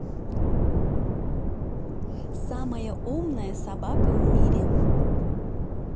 самая умная собака в мире